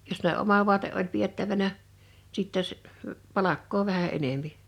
jos ne oma vaate oli pidettävänä sitten - palkkaa vähän enempi